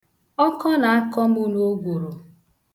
Ọkọ na-akọ mụ n'ogworo.